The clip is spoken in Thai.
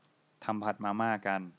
ทำผัดมาม่ากัน